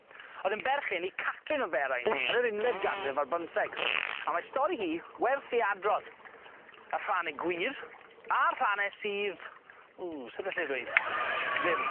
o'dd yn berchen i Catrin o Ferain yn yr unfed ganrif ar bymtheg a mae stori hi werth ei adrodd, y rhane gwir, a'r rhane sydd, ww, sud allai ddweud? Ddim.